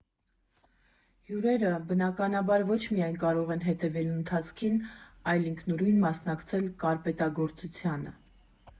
Հյուրերը, բնականաբար, ոչ միայն կարող են հետևել ընթացքին, այլև ինքնուրույն մասնակցել կարպետագործությանը։